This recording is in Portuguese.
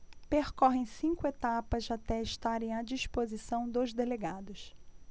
percorrem cinco etapas até estarem à disposição dos delegados